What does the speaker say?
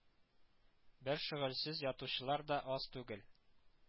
Бер шәгыльсез ятучылар да аз түгел